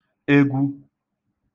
egwu